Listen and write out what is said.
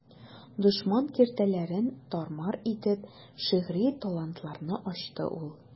Дошман киртәләрен тар-мар итеп, шигъри талантларны ачты ул.